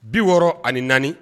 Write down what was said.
Bi wɔɔrɔ ani naani